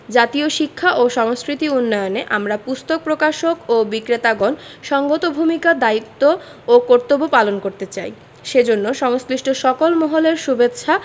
জাতীয় শিক্ষা ও সংস্কৃতি উন্নয়নে আমরা পুস্তক প্রকাশক ও বিক্রেতাগণ সঙ্গত ভূমিকা দায়িত্ব ও কর্তব্য পালন করতে চাই সেজন্য সংশ্লিষ্ট সকল মহলের শুভেচ্ছা